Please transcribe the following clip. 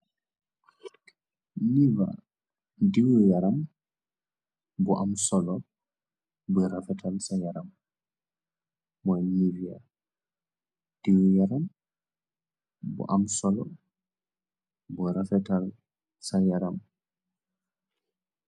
Nova, diwi yaram bu am solo bui rafetal sa yaram.